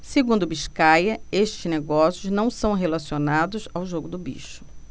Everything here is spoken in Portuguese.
segundo biscaia esses negócios não são relacionados ao jogo do bicho